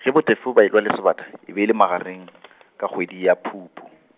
ge BoTefo ba e lwa le sebata, e be le magareng, ka kgwedi ya Phupu.